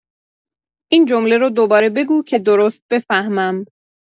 این جمله رو دوباره بگو که درست بفهمم